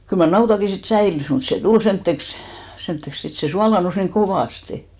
kyllä mar nautakin sitten säilyi mutta se tuli semmoiseksi semmoiseksi sitten se suolaantui niin kovasti